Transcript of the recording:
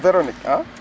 Véronique an